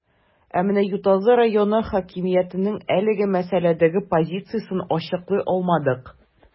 Ә менә Ютазы районы хакимиятенең әлеге мәсьәләдәге позициясен ачыклый алмадык.